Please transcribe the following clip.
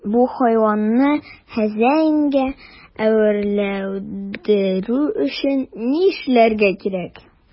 Бу хайванны хәзинәгә әверелдерү өчен ни эшләргә кирәк?